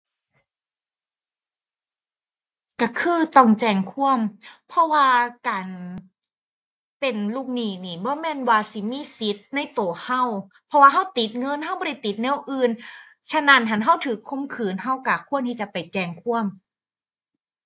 ก็คือต้องแจ้งความ เพราะว่าการเป็นลูกหนี้นี่บ่แม่นว่าสิมีสิทธิ์ในก็ก็ เพราะว่าก็ติดเงิน ก็บ่ได้ติดแนวอื่น ฉะนั้นหั้นก็ก็ข่มขืน ก็ก็ควรที่จะไปแจ้งความ